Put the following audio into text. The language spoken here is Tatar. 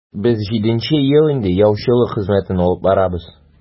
Без җиденче ел инде яучылык хезмәтен алып барабыз.